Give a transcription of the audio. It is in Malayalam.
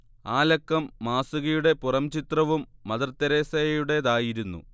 ആ ലക്കം മാസികയുടെ പുറംചിത്രവും മദർതെരേസയുടേതായിരുന്നു